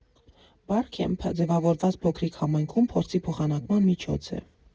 Բարքեմփը ձևավորված փոքրիկ համայնքում փորձի փոխանակման միջոց է։